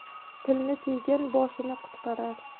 tilini tiygan boshini qutqarar